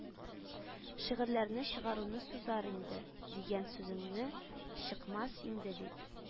Шигырьләрне чыгаруны сузар инде», – дигән сүзеңне «чыкмас инде» дип